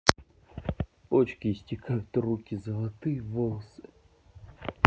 почкам истекают руки золотые волосы